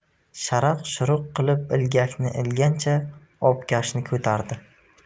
sharaq shuruq qilib ilgakni ilgancha obkashni ko'tardi